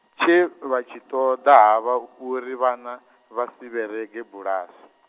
tshe, vha tshi ṱoḓa ha vha uri vhana, vhasi vherege bulasi .